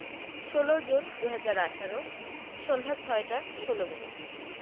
১৬জুন ২০১৮ সন্ধ্যা ৬টা ১৬ মিনিট